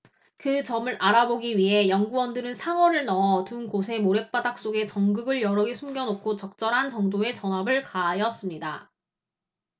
그 점을 알아보기 위해 연구원들은 상어를 넣어 둔 곳의 모랫바닥 속에 전극을 여러 개 숨겨 놓고 적절한 정도의 전압을 가하였습니다